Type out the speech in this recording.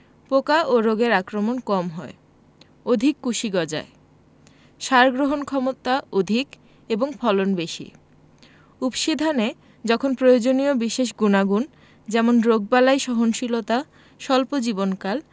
পোকা ও রোগের আক্রমণ কম হয় অধিক কুশি গজায় সার গ্রহণক্ষমতা অধিক এবং ফলন বেশি উফশী ধানে যখন প্রয়োজনীয় বিশেষ গুনাগুণ যেমন রোগবালাই সহনশীলতা স্বল্প জীবনকাল